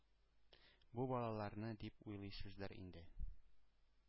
Бу балаларны, дип уйлыйсыздыр инде.